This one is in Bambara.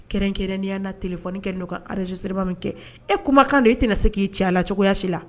Kɛrɛnkɛrɛnnenya la telefɔni kɛ n bɛ ka enrégistrement min kɛ e kumakan don e tɛna se k'i cɛ a la cogoya si la